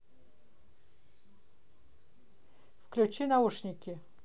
включи наушники